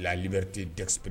la liberité d'expression